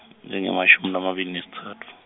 lengemashumi lamabili nesitsatfu.